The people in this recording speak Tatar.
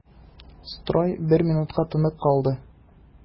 Строй бер минутка тынып калды.